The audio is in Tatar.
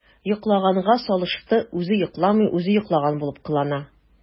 “йоклаганга салышты” – үзе йокламый, үзе йоклаган булып кылана.